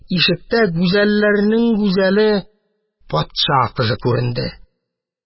Ишектә гүзәлләрнең гүзәле — патша кызы күренде.